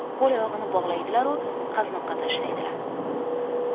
qo'l oyog'ini bog'laydilaru qaznoqqa tashlaydilar